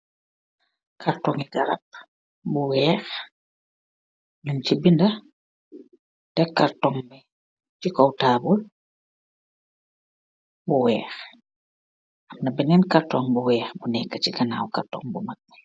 Karton ngii garab bu wekh, nung chi binda, tek karton bii chi kaw taabul bu wekh, amna benen karton bu wekh bu neka chi ganaw karton bu mak bii.